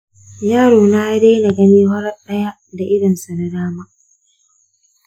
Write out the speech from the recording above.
yarona ya daina gani farat ɗaya da idonsa na dama.